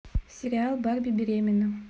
сериал барби беременна